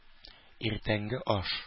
Иртәнге аш